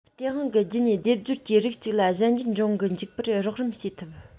སྟེས དབང གི རྒྱུད གཉིས སྡེབ སྦྱོར གྱིས རིགས གཅིག ལ གཞན འགྱུར འབྱུང གི འཇུག པར རོགས རམ བྱེད ཐུབ